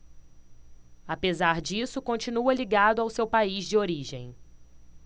apesar disso continua ligado ao seu país de origem